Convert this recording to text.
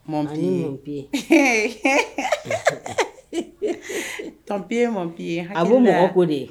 Mɔpi biyepiye mɔpiye a ko mɔ ko de ye